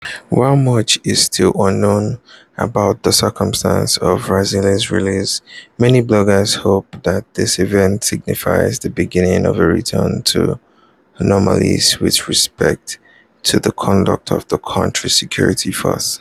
While much is still unknown about the circumstances of Razily's release, many bloggers hope that this event signifies the beginning of a return to normalcy with respect to the conduct of the country's security forces.